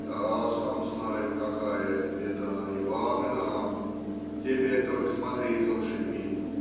- Я сам знаю, какая это беда и вам и нам, - теперь только смотри за лошадьми